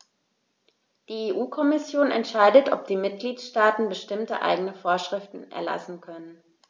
Die EU-Kommission entscheidet, ob die Mitgliedstaaten bestimmte eigene Vorschriften erlassen können.